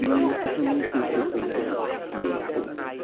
Mai'r Gwasanaeth Iechyd Gwladol neu'r GIG